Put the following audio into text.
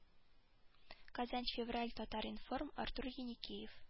Казан февраль татар-информ артур еникеев